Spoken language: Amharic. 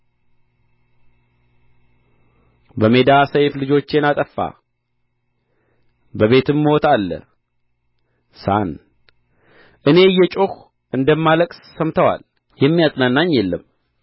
በሜዳ ሰይፍ ልጆቼን አጠፋ በቤትም ሞት አለ ሳን እኔ እየጮኽሁ እንደማለቅስ ሰምተዋል የሚያጽናናኝ የለም